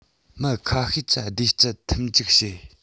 མི ཁ ཤས གྱི བདེ སྐྱིད མཐུན འཇུག བྱེད